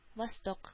Восток